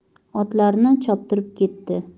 otlarni choptirib ketdi